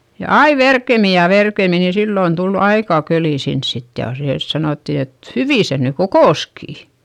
ja aina verkemmin ja verkemmin niin silloin tuli aika köli sinne sitten ja se sanottiin että hyvin se nyt kokosikin